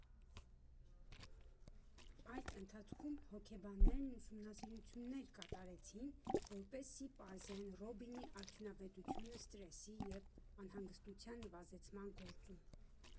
Այդ ընթացքում հոգեբաններն ուսումնասիրություններ կատարեցին, որպեսզի պարզեն Ռոբինի արդյունավետությունը սթրեսի և անհանգստության նվազեցման գործում։